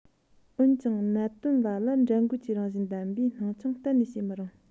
འོན ཀྱང གནད དོན ལ ལ འགྲན རྒོལ གྱི རང བཞིན ལྡན པར སྣང ཆུང གཏན ནས བྱེད མི རུང